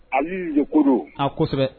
A y'i ye kodon ha kosɛbɛ